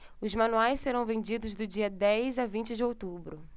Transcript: os manuais serão vendidos do dia dez a vinte de outubro